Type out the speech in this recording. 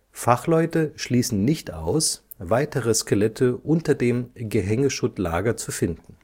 Fachleute schließen nicht aus, weitere Skelette unter dem Gehängeschuttlager zu finden